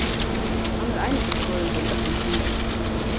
hann er einasti føroyingur í øllum skúlanum